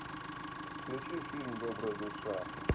включи фильм добрая душа